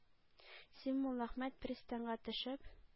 Син, Муллаәхмәт, пристаньга төшеп,